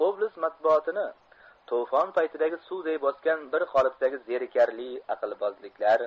oblast matbuotini to'fon paytidagi suvday bosgan bir qolipdagi zerikarli aqlbozliklar